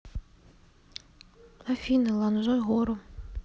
афина ланзой гору